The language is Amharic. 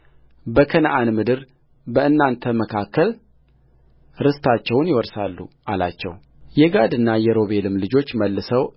በከነዓን ምድር በእናንተ መካከል ርስታቸውን ይወርሳሉ አላቸውየጋድና የሮቤልም ልጆች መልሰው